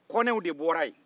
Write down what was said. kɔnɛw de bora yen